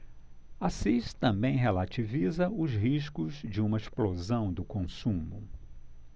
assis também relativiza os riscos de uma explosão do consumo